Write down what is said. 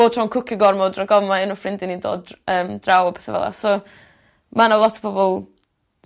bob tro'n cwcio gormod rag ofn ma' un o ffrindia ni'n dod dr- yym draw a petha fel 'a so ma' 'na lot o pobol